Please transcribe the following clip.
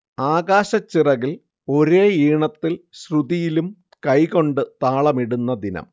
ആകാശച്ചിറകിൽ ഒരേ ഈണത്തിൽ ശ്രുതിയിലും കൈകൊണ്ട് താളമിടുന്ന ദിനം